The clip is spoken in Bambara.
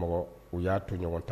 U y'a to ɲɔgɔn ta